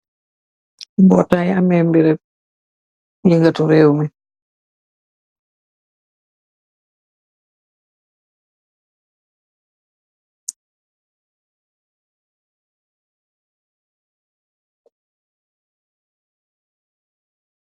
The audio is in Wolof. Mbota yu ame mbiru yingatu réewmi